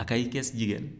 ak ay kees jigéen